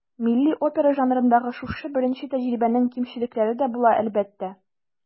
Милли опера жанрындагы шушы беренче тәҗрибәнең кимчелекләре дә була, әлбәттә.